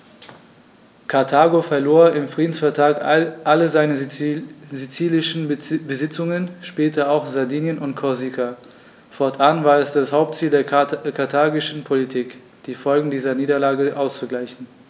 Karthago verlor im Friedensvertrag alle seine sizilischen Besitzungen (später auch Sardinien und Korsika); fortan war es das Hauptziel der karthagischen Politik, die Folgen dieser Niederlage auszugleichen.